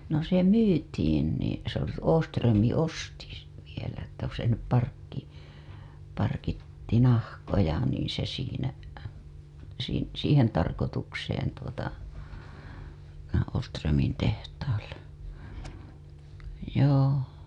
no se myytiin niin se oli Åström osti sen vielä että se sinne - parkitsi nahkoja niin se siinä - siihen tarkoitukseen tuota Åströmin tehtaalle joo